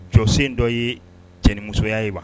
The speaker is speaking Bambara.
Jɔsen dɔ ye cɛnmusoya ye wa?